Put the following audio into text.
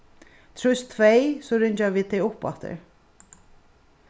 trýst tvey so ringja vit teg uppaftur